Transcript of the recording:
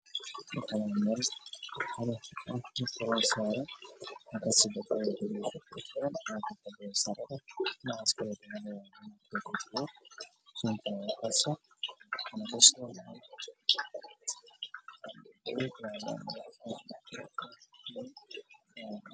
Waa tukaan waxaa ka ifaayo leer dahabi ah